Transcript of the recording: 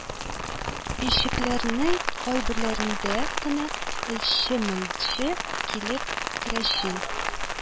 Өйчекләрнең кайберләрендә генә элҗе-мелҗе килеп крәчин